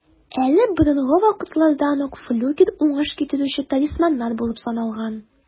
Әле борынгы вакытлардан ук флюгер уңыш китерүче талисманнар булып саналган.